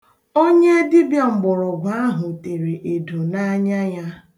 Onye dibịa mgbọrọọgwụ ahụ tere edo n'anya ya.